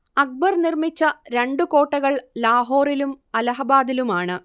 അക്ബർ നിർമിച്ച രണ്ടു കോട്ടകൾ ലാഹോറിലും അലഹബാദിലുമാണ്